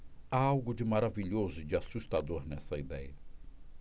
há algo de maravilhoso e de assustador nessa idéia